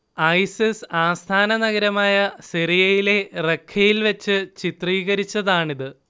ISIS ആസ്ഥാന നഗരമായ സിറിയയിലെ റഖ്ഖയിൽ വച്ച് ചിത്രീകരിച്ചതാണിത്